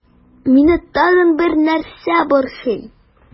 Мине тагын бер нәрсә борчый.